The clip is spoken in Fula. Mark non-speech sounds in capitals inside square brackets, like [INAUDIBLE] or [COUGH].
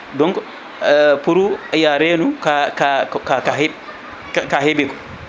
donc [HESITATION] pour ya reeno ka ka ka ka heeɓiko